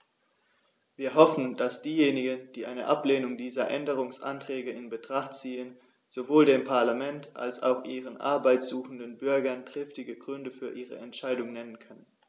Wir hoffen, dass diejenigen, die eine Ablehnung dieser Änderungsanträge in Betracht ziehen, sowohl dem Parlament als auch ihren Arbeit suchenden Bürgern triftige Gründe für ihre Entscheidung nennen können.